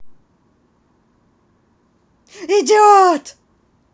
idiot